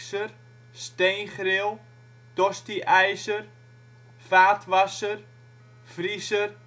Steengrill Tosti-ijzer Vaatwasser Vriezer